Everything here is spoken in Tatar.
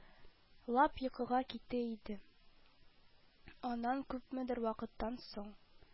Лап йокыга китә иде, аннан күпмедер вакыттан соң